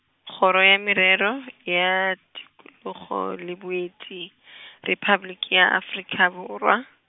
kgoro ya merero, ya Tikologo le Boeti , Repabliki ya Afrika Borwa.